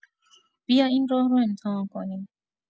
بیا این راه رو امتحان کنیم.